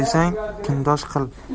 desang kundosh qil